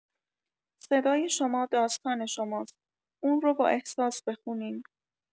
صدای شما داستان شماست، اون رو بااحساس بخونین.